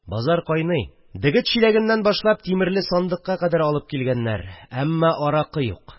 Базар кайный, дегет чиләгеннән башлап тимерле сандыкка кадәр алып килгәннәр – әммә аракы юк